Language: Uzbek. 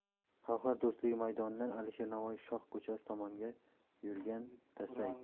xalqlar do'stligi maydonidan alisher navoiy shoh ko'chasi tomonga yurgandasayt